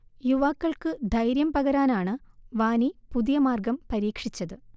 യുവാക്കൾക്കു 'ധൈര്യം' പകരാനാണു വാനി പുതിയ മാർഗം പരീക്ഷിച്ചത്